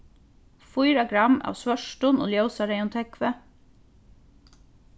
fýra gramm av svørtum og ljósareyðum tógvi